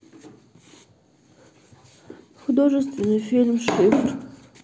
художественный фильм шифр